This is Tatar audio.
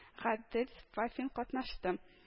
Гадел Вафин катнашты